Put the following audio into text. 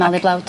Malu blawd.